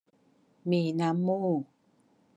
มีน้ำมูก